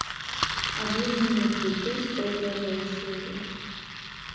обиженные цветы сто первая серия